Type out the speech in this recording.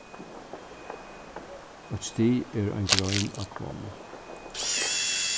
eitt stig er ein grein á hvonn